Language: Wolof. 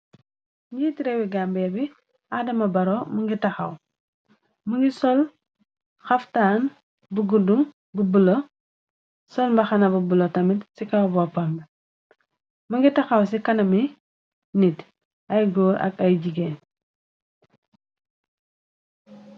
njiit réewi gambee bi aadama baro mu ngi taxaw mu ngi sol xaftaan bu guddu bu bulo sol mbaxana bu bulo tamit ci kawabuappamb mu ngi taxaw ci kana mi nit ay góor ak ay jigéen